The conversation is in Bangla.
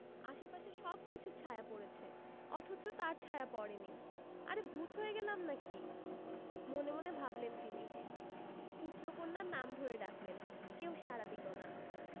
আশপাশের সবকিছুর ছায়া পড়েছে অথচ তাঁর ছায়া পড়েনি আরে ভূত হয়ে গেলাম নাকি মনে মনে ভাবলেন তিনি পুত্র কন্যার নাম ধরে ডাকলেন কেউ সাড়া দিল না